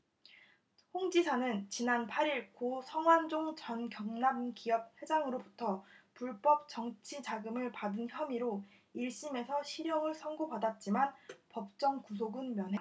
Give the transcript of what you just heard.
홍 지사는 지난 팔 일 고 성완종 전 경남기업 회장으로부터 불법 정치자금을 받은 혐의로 일 심에서 실형을 선고받았지만 법정 구속은 면했다